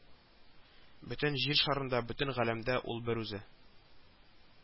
Бөтен җир шарында, бөтен галәмдә ул берүзе